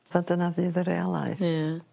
A dyna fydd y reolau. Ie